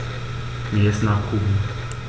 Mir ist nach Kuchen.